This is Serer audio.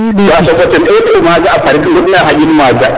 yaga ten et u ret maga a fard ngut ne a xaƴin maga